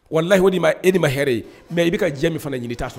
Wa lahih ma e ni ma hɛrɛ ye mɛ i bɛ ka jɛ min fana ɲini t'a sɔrɔ